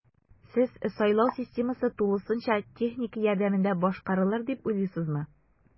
Сез сайлау системасы тулысынча техника ярдәмендә башкарарылыр дип уйлыйсызмы?